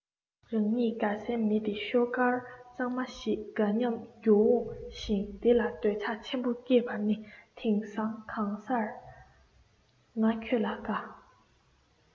རང ཉིད དགའ སའི མི དེ ཤོག དཀར གཙང མ ཞིག དགའ སྙམ རྒྱུ འོངས ཤིང དེ ལ འདོད ཆགས ཆེན པོ སྐྱེས པ ནི དེང སང གང སར ང ཁྱོད ལ དགའ